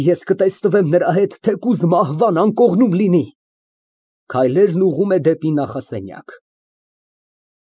Ես կտսնվեմ նրա հետ թեկուզ մահվան անկողնում լինի։ (Քայլերն ուղղում է դեպի նախասենյակ)։